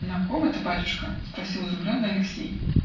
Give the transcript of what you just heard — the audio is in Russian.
-- На ком это, батюшка?-- спросил изумленный Алексей.